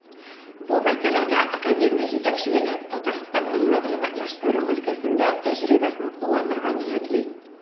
Бу мәсьәләдә академия җитәкчелеге Татарстанның мәгълүматлаштыру өлкәсендә тәҗрибәсен кулланырга ниятли.